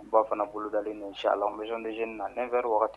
Ba fana bolo dalen ni si laz deceni na n wɛrɛ